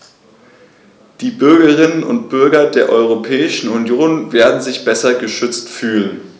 Die Bürgerinnen und Bürger der Europäischen Union werden sich besser geschützt fühlen.